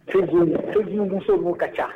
Cogoddmuso b'u ka ca